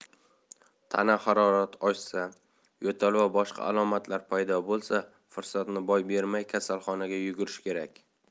tana harorati oshsa yo'tal va boshqa alomatlar paydo bo'lsa fursatni boy bermay kasalxonaga yugurish kerak